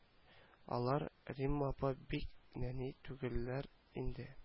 Алар римма апа бик нәни түгелләр инде